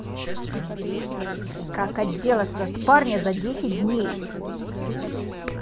как отделаться от парня за десять дней